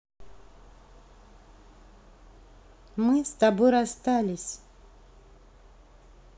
мы с тобой расстались